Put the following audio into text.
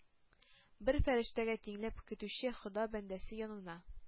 Бер фәрештәгә тиңләп көтүче хода бәндәсе янына.